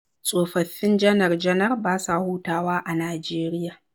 Tsofaffin janar-janar ba sa hutawa a Najeriya